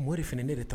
Mori de fini ne de ta